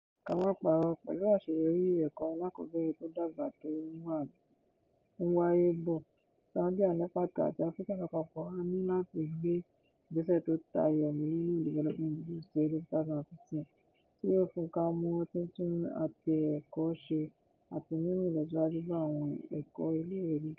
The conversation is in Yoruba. Ká má parọ́, pẹ̀lú àṣeyọrí ẹ̀kọ́ àkọ́bẹ̀rẹ̀ tó dọ́gba tó ń wáyé bọ̀, Zambia ní pàtó àti Áfíríkà lapapọ̀, a ní láti gbé igbese tó tayọ Millennium Development Goals ti ọdún 2015 tí yóò fúnka mọ́ títún àtẹ ẹ̀kọ́ ṣe àti mímú ìlọsíwájú bá àwon ẹ̀kọ́ iléèwé gíga.